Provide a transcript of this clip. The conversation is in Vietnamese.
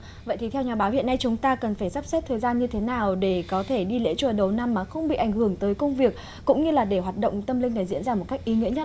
vậy thì theo nhà báo hiện nay chúng ta cần phải sắp xếp thời gian như thế nào để có thể đi lễ chùa đầu năm mà không bị ảnh hưởng tới công việc cũng như là để hoạt động tâm linh này diễn ra một cách ý nghĩa nhất ạ